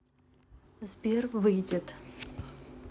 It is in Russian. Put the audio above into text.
сбер выйдет